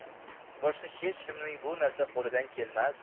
boshqa hech kimning bu narsa qo'lidan kelmas